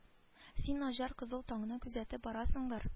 Син наҗар кызыл таңны күзәтеп барасыңдыр